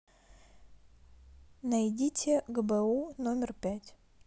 найдите гбу номер пять